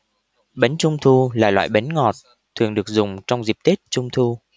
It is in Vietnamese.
bánh trung thu là loại bánh ngọt thường được dùng trong dịp tết trung thu